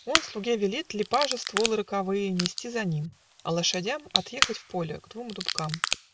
Он слуге велит Лепажа стволы роковые Нести за ним, а лошадям Отъехать в поле к двум дубкам.